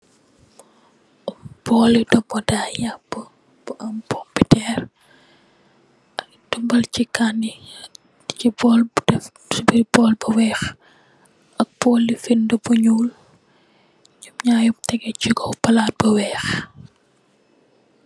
Bool lu domoda yapu bu am pumpitèrr, tamit tobal ci kanè chi bool bu deff, ci biir bool bu weeh ak bool li findi bu ñuul. Nyom naar yëp tégé ci kaw palaat bu weeh.